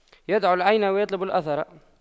يدع العين ويطلب الأثر